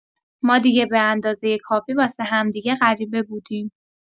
ما دیگه به‌اندازه کافی واسه همدیگه غریبه بودیم